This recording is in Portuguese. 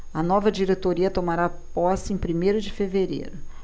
a nova diretoria tomará posse em primeiro de fevereiro